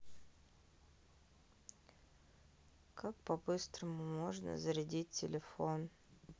как по быстрому можно зарядить телефон